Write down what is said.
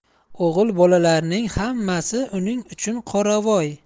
o'g'il bolalarning hammasi uning uchun qoravoy